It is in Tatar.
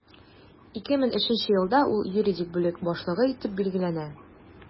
2003 елда ул юридик бүлек башлыгы итеп билгеләнә.